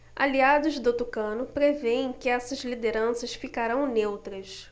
aliados do tucano prevêem que essas lideranças ficarão neutras